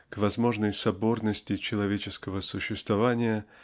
к возможной соборности человеческого существования